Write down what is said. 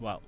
waaw